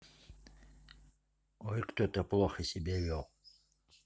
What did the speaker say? ой кто то плохо себя вел